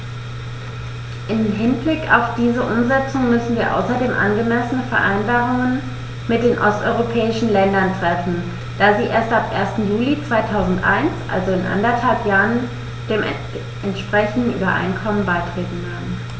Im Hinblick auf diese Umsetzung müssen wir außerdem angemessene Vereinbarungen mit den osteuropäischen Ländern treffen, da sie erst ab 1. Juli 2001, also in anderthalb Jahren, den entsprechenden Übereinkommen beitreten werden.